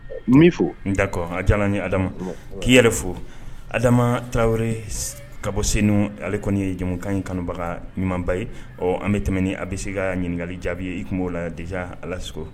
Min fɔ n dakɔ a ja ni adama k'i yɛrɛ fo adama taari ka bɔsen ali kɔni ye jamukan kanubaga ɲumanba ye ɔ an bɛ tɛmɛen a bɛ se k ka'a ɲininkakali jaabi ye i tun b'o la yan dizsa alase